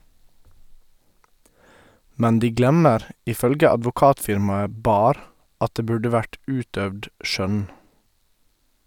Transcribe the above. Men de glemmer, ifølge advokatfirmaet BA-HR , at det burde vært utøvd skjønn.